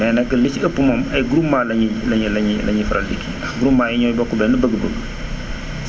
mais nag li ci ëpp moom ay groupement la ñuy la ñuy la ñuy faral di kii ndax groupement yi ñooy bokk benn bëgg-bëgg